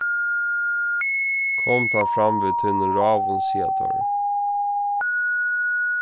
kom tá fram við tínum ráðum siga teir